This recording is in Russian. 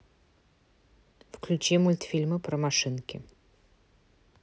включить мультфильмы про машинки